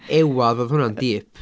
Ewadd oedd hwnna'n deep.